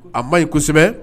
A ma ɲin kosɛbɛ